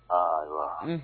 Ayiwa